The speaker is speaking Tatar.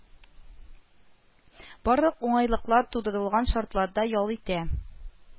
Барлык уңайлыклар тудырылган шартларда ял итә